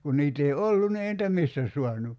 kun niitä ei ollut niin ei niitä mistä saanut